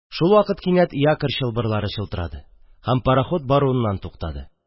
Шул вакыт кинәт якорь чылбырлары чылтырады, һәм пароход баруыннан туктады.